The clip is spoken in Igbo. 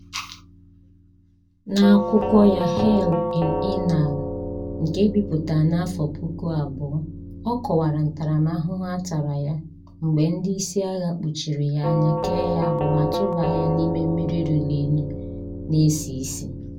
N'akwụkwọ ya "Hell in Inal", nke e bipụtara n'afọ 2000, ọ kọwara ntaramahụhụ a tara ya, mgbe ndị isi agha kpuchiri ya anya, kee ya agbụ, ma tụbaa ya n'ime mmiri ruru unyi, na-esi isi.